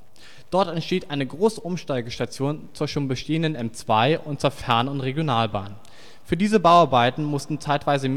Dort entsteht eine große Umsteigestation zur schon bestehenden M2 und zur Fern - und Regionalbahn. Für diese Bauarbeiten mussten zeitweise